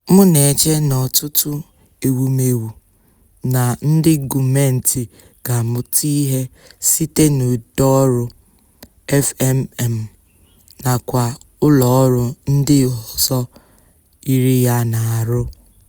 Mụ na-eche na ọtụtụ ewumewu na ndị gọọmenti ga-amụta ihe site n'ụdị ọrụ FMM nakwa ụlọ ọrụ ndị ọzọ yiri ya na-arụ.